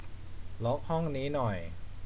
ล็อคห้องนี้หน่อย